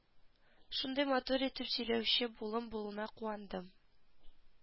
Шундый матур итеп сөйләүче улым булуына куандым